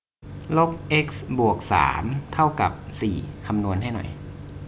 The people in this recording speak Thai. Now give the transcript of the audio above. ลบเอ็กซ์บวกสามเท่ากับสี่คำนวณให้หน่อย